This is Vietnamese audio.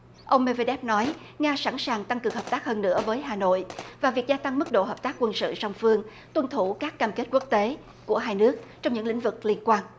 ông me vơ đép nói nga sẵn sàng tăng cường hợp tác hơn nữa với hà nội và việc gia tăng mức độ hợp tác quân sự song phương tuân thủ các cam kết quốc tế của hai nước trong những lĩnh vực liên quan